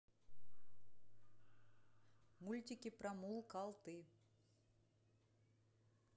мультики про мулкалты